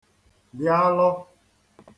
dị alọ